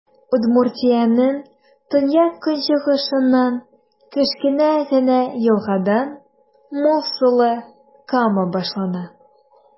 Удмуртиянең төньяк-көнчыгышыннан, кечкенә генә елгадан, мул сулы Кама башлана.